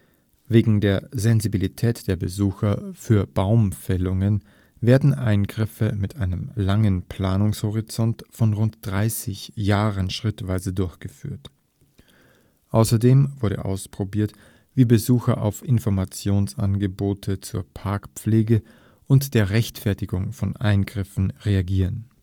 Wegen der Sensibilität der Besucher für Baumfällungen werden Eingriffe mit einem langen Planungshorizont von rund 30 Jahren schrittweise durchgeführt. Außerdem wurde ausprobiert, wie Besucher auf Informationsangebote zur Parkpflege und der Rechtfertigung von Eingriffen reagieren